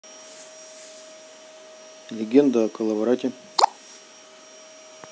легенда о коловрате